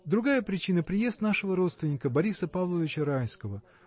Другая причина — приезд нашего родственника Бориса Павловича Райского.